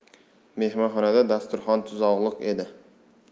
mehmonxonada dasturxon tuzog'liq edi